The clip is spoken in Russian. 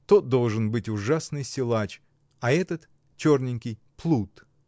Тот должен быть ужасный силач, а этот черненький — плут.